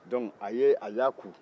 dɔnc a ye a y'a kun